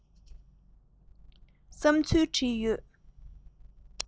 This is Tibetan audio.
བསམ ཚུལ བྲིས ཡོད